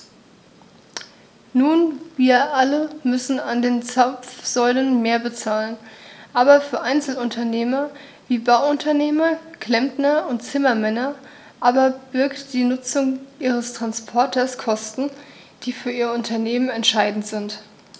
Nun wir alle müssen an den Zapfsäulen mehr bezahlen, aber für Einzelunternehmer wie Bauunternehmer, Klempner und Zimmermänner aber birgt die Nutzung ihres Transporters Kosten, die für ihr Unternehmen entscheidend sind.